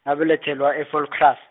ngabalethelwa e- Voelkrans.